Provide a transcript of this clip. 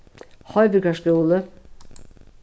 hoyvíkar skúli